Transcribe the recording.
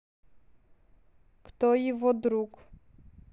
кто его друг